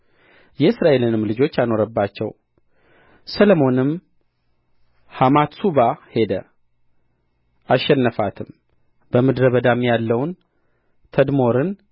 የእስራኤልንም ልጆች አኖረባቸው ሰሎሞንም ወደ ሐማትሱባ ሄደ አሸነፋትም በምድረ በዳም ያለውን ተድሞርን